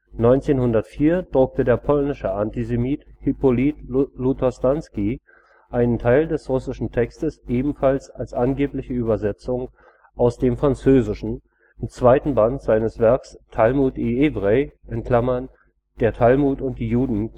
1904 druckte der polnische Antisemit Hipolit Lutostański einen Teil des russischen Textes ebenfalls als angebliche Übersetzung aus dem Französischen im zweiten Band seines Werks Talmud i evrei („ Der Talmud und die Juden